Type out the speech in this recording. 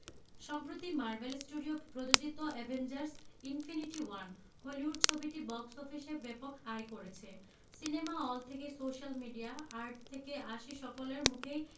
সম্প্রতি Marvel studio প্রযোজিত Avengers Infinity War Hollywood ছবিটি বক্স অফিসে ব্যাপক আয় করছে সিনেমা হল থেকে সোশ্যাল মিডিয়া আট থেকে আশি সকলের মুখেই